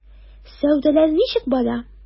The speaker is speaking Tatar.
Сәүдәләр ничек бара?